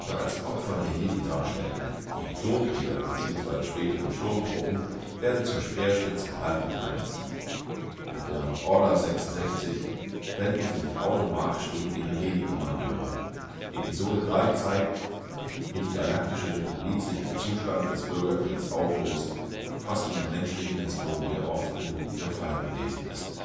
als Opfer der Jedi darstellen. Die Klonkrieger, beziehungsweise späteren Sturmtruppen, werden zur Speerspitze Palpatines. Mit der Order 66 wenden sie sich automatisch gegen ihre Jedi-Kommandeure. Episode III zeigt, wie die Galaktische Republik sich im Zustand des Bürgerkriegs auflöst, was in der menschlichen Historie oft genug der Fall gewesen ist